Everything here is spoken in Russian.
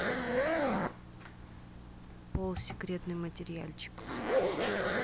пол секретный материальчик